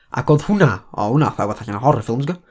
Ac oedd hwnna, o, o' hwnna fatha rywbeth allan o horror film tibod?